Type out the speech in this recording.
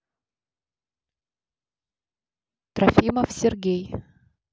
трофимов сергей